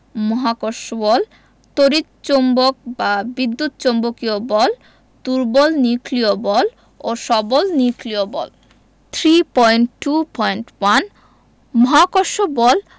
মহাকর্ষ বল তড়িৎ চৌম্বক বা বিদ্যুৎ চৌম্বকীয় বল দুর্বল নিউক্লিয় বল ও সবল নিউক্লিয় বল 3.2.1 মহাকর্ষ বল